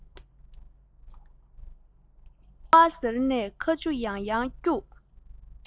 ཕོ བ གཟེར ནས ཁ ཆུ ཡང ཡང བསྐྱུགས